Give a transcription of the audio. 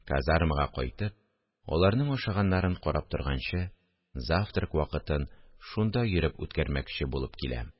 Казармага кайтып, аларның ашаганнарын карап торганчы, завтрак вакытын шунда йөреп үткәрмәкче булып киләм